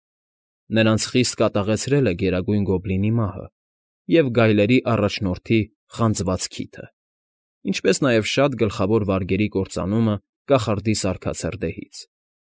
Նրանց խիստ կատաղեցրել է Գերագույն Գոբլինի մահը և գայլերի առաջնորդի խանձված քիթը, ինչպս նաև շատ գլխավոր վարգերի կործանումը կախարդի սարքած հրդեհից։